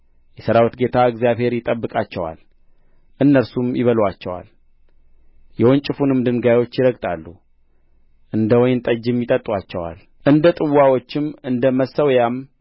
የሠራዊት ጌታ እግዚአብሔር ይጠብቃቸዋል እነርሱም ይበሉአቸዋል የወንጭፉንም ድንጋዮች ይረግጣሉ እንደ ወይን ጠጅም ይጠጡአቸዋል እንደ ጥዋዎችም እንደ መሠዊያም